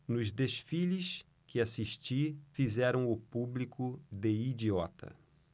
nos desfiles que assisti fizeram o público de idiota